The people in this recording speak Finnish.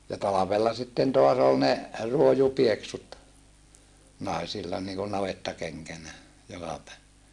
ja talvella sitten taas oli ne ruojupieksut naisilla niin kuin navettakenkänä jokapäiväisinä